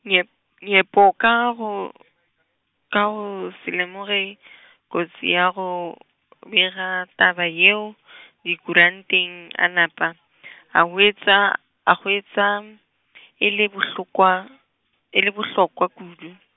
nyep-, Nyepo ka go , ka go se lemoge , kotsi ya go, bega taba yeo , dikuranteng a napa , a hwetša, a hwetša , e le bohlokwa, e le bohlokwa kudu.